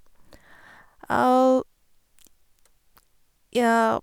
Ja.